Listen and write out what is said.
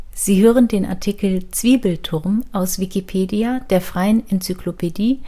Sie hören den Artikel Zwiebelturm, aus Wikipedia, der freien Enzyklopädie